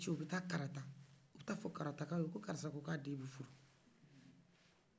n'o kɛla mɔgɔ wɛrɛ ci o bɛ tafo karta k'u ye ko karissa den bɛ furu